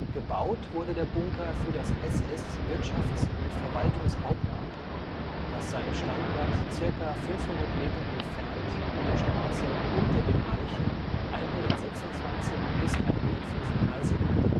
Gebaut wurde der Bunker für das SS-Wirtschafts - und Verwaltungshauptamt, das seinen Standort ca. 500 Meter entfernt in der Straße Unter den Eichen 126 – 135 hatte